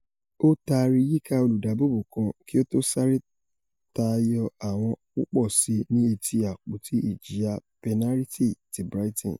Ó taari yíka olùdáààbòbò kan kí ó tó sáré tayọ àwọn pupọ síi ni etí ̀apoti ìjìyà pẹnariti ti Brighton.